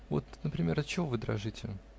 Вот, например, отчего вы дрожите?